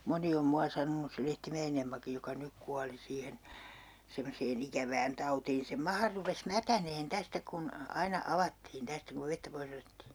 moni on minua sanonut se Lehtimäen Emmakin joka nyt kuoli siihen semmoiseen ikävään tautiin sen maha rupesi mätänemään tästä kun aina avattiin tästä kun vettä pois otettiin